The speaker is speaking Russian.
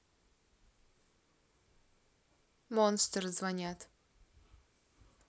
monster звонят